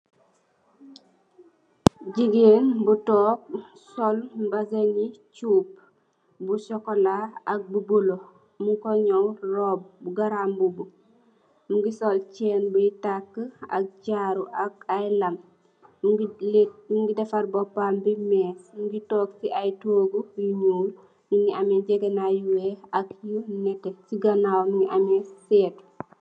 Jegain bu tonke sol bazin ne chub bu sokula ak bu bulo nugku nyaw roubu garamubu muge sol chin boye takeh ak jaaru ak aye lam muge defarr bopambe mess muge tonke se aye toogu yu nuul nuge ameh jegenaye yu weex ak lu neteh se ganawam muge ameh setu.